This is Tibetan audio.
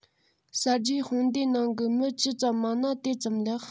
གསར བརྗེའི དཔུང སྡེའི ནང གི མི ཇི ཙམ མང ན དེ ཙམ ལེགས